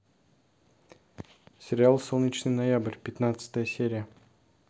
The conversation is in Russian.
сериал солнечный ноябрь пятнадцатая серия